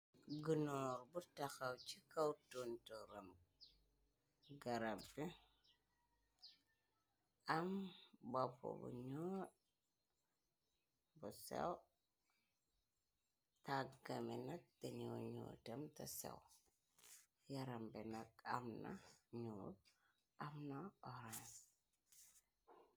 Goonorr bu taxaw ci kaw tontoram garab bi. Am bopp bu ñoo bu sew tàggami nak daniw ñu dem té sew. Yaram bi nak amna ñoo amna orin.